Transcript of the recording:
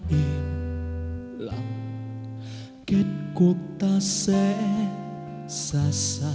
lặng kết cuộc ta sẽ ra sao